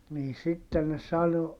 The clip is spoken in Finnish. niin sitten ne sanoi